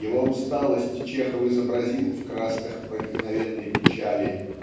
Его усталость Чехов изобразил в красках проникновенной печали.